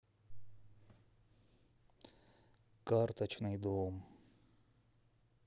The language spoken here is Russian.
карточный дом